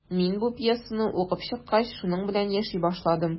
Мин бу пьесаны укып чыккач, шуның белән яши башладым.